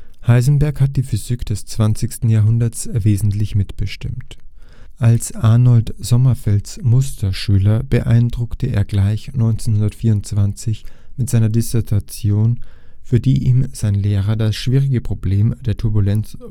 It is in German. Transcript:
Heisenberg hat die Physik des 20. Jahrhunderts wesentlich mitbestimmt. Als Arnold Sommerfelds Musterschüler beeindruckte er gleich 1924 mit seiner Dissertation, für die ihm sein Lehrer das schwierige Problem der Turbulenz